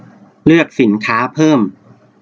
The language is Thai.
เลือกสินค้าเพิ่ม